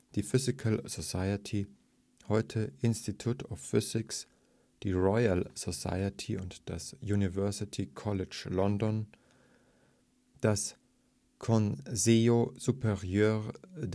die Physical Society (heute Institute of Physics), die Royal Society und das University College London, das Consejo Superior de